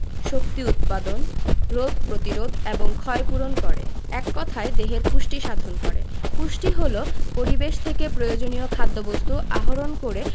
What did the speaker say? শক্তি উৎপাদন রোগ প্রতিরোধ এবং ক্ষয়পূরণ করে এক কথায় দেহের পুষ্টি সাধন করে পুষ্টি হলো পরিবেশ থেকে প্রয়োজনীয় খাদ্যবস্তু আহরণ করে